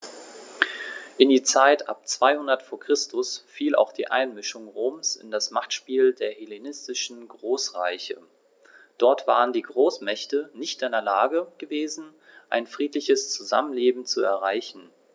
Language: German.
In die Zeit ab 200 v. Chr. fiel auch die Einmischung Roms in das Machtspiel der hellenistischen Großreiche: Dort waren die Großmächte nicht in der Lage gewesen, ein friedliches Zusammenleben zu erreichen.